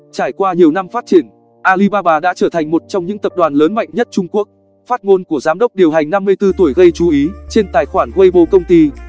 trải qua nhiều năm phát triển alibaba đã trở thành một trong những tập đoàn lớn mạnh nhất trung quốc phát ngôn của giám đốc điều hành tuổi gây chú ý trên tài khoản weibo công ty